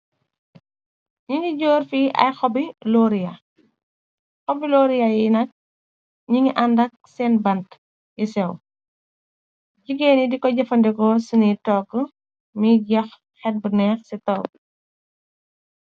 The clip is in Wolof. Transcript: Ni ngi jóorfi ay xobi loria xobi loria yi nak ñi ngi àndak seen bante yi sew jigéeni di ko jëfandeko sini toogu nyuuyi jox xet bu neex ci toogu.